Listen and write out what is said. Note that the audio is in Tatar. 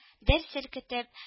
Дер селкетеп